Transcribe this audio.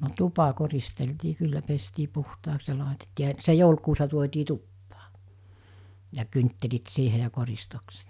no tupa koristeltiin kyllä pestiin puhtaaksi ja laitettiin ja se joulukuusihan tuotiin tupaan ja kynttilät siihen ja koristukset